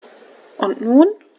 Und nun?